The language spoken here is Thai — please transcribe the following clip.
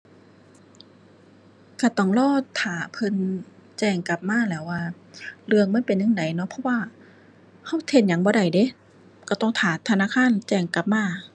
ก็ต้องรอท่าเพิ่นแจ้งกลับมาแหล้วว่าเรื่องมันเป็นจั่งใดเนาะ เพราะว่าก็เฮ็ดหยังบ่ได้เดะ ก็ต้องท่าธนาคารแจ้งกลับมา